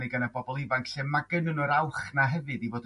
ni gan y bobol ifanc lle ma' gyno n'w yr awch 'na hefyd i fod yn